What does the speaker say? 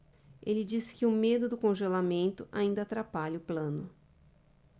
ele disse que o medo do congelamento ainda atrapalha o plano